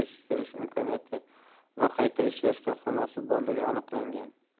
yetishtirish imkoniyati va qayta ishlash korxonasi borligi aniqlangan